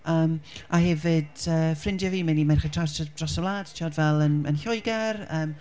Yym, a hefyd yy ffrindiau fi, mainly merched traws dro- dros y wlad, tibod fel yn Lloegr, yym...